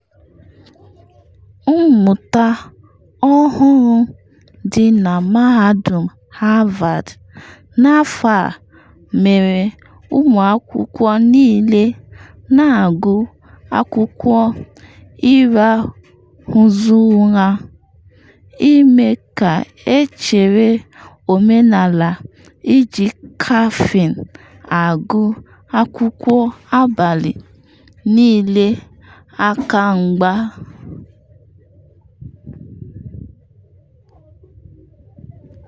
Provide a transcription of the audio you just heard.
Mmụta ọ hụrụ dị na Mahadum Harvard n’afọ a mere ụmụ akwụkwọ niile na-agụ akwụkwọ ịrahụzu ụra, ime ka echere omenala iji kafin agụ akwụkwọ ‘abalị niile’ aka mgba.’